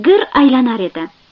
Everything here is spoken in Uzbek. gir aylanar edi